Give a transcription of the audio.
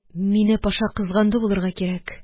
Мине Паша кызганды булырга кирәк